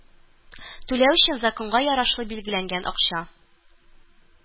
Түләү өчен законга ярашлы билгеләнгән акча